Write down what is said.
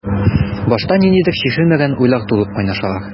Башта ниндидер чишелмәгән уйлар тулып кайнашалар.